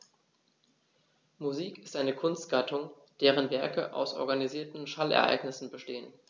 Musik ist eine Kunstgattung, deren Werke aus organisierten Schallereignissen bestehen.